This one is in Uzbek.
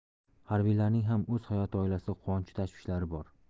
harbiylarning ham o'z hayoti oilasi quvonchu tashvishlari bor